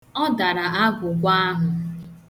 Ọ dara agwụgwa ahụ.